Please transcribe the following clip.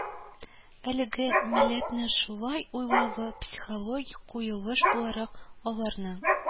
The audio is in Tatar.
Әлеге милләтнең шулай уйлавы), психологик куелыш буларак, аларның